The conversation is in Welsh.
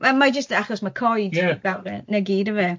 Mae mae jyst achos mae coed... Ie... fel arfe-. Na gyd yfe?